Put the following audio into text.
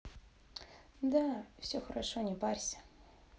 да все хорошо не парься